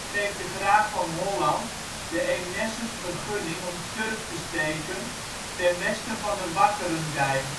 geeft de Graaf van Holland de Eemnessers vergunning om turf te steken ten Westen van de Wakkerendijk,